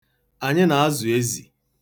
Anyị na-azụ ezi.